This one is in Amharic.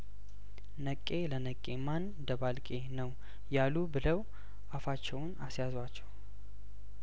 ነቄ ለነቄ ማን ደባልቄ ነው ያሉ ብለው አፋቸውን አስያዟቸው